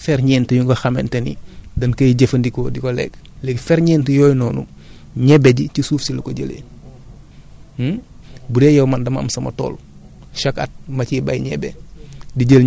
wala dafa riche ci yeneen ferñeent yu nga xamante ne dañ koy jëfandikoo di ko lekk léegi ferñeent yooyu noonu ñebe ji ci suuf si la ko jëlee bu dee yow man dama am sama tool chaque at ma ciy béy ñebe